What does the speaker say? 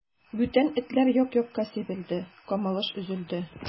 Бүтән этләр як-якка сибелде, камалыш өзелде.